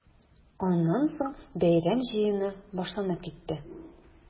Аннан соң бәйрәм җыены башланып китте.